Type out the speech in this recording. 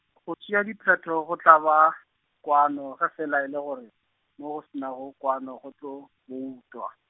go tšea diphetho go tla ba, kwano ge fela e le gore, moo go se nago kwano, go tla boutwa.